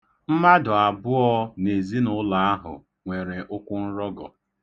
Mmadụ abụọ, n'ezinụlọ ahụ, nwere ụkwụnrọgọ